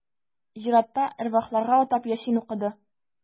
Зиратта әрвахларга атап Ясин укыды.